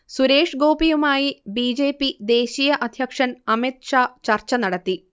സുരേഷ് ഗോപിയുമായി B. J. P ദേശീയഅധ്യക്ഷൻ അമിത്ഷാ ചർച്ച നടത്തി